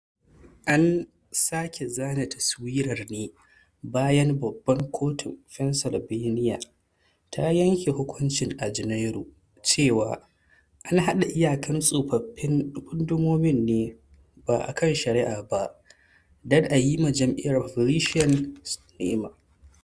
An sake zane taswirar ne bayan Babban Kotun Pennsylvania ta yanken hukunci a Janairu cewa an haɗe iyakan tsofaffin gundumomin ne ba akan shari’a ba dan a yima jam’iyar Republicans ni’ima.